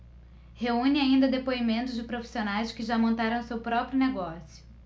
reúne ainda depoimentos de profissionais que já montaram seu próprio negócio